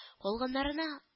Калганнарына